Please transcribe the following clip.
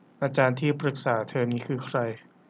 อาจารย์ที่ปรึกษาเทอมนี้คือใคร